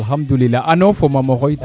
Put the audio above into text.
ano fo mamo xooy tita